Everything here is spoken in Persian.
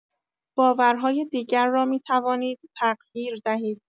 باورهای دیگر را می‌توانید تغییر دهید.